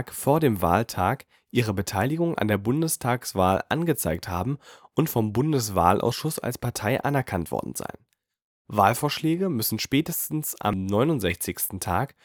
vor dem Wahltag ihre Beteiligung an der Bundestagswahl angezeigt haben und vom Bundeswahlausschuss als Partei anerkannt worden sein. Wahlvorschläge müssen spätestens am 69. Tag